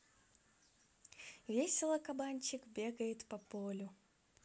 весело кабанчик бегает по полю